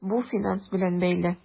Бу финанс белән бәйле.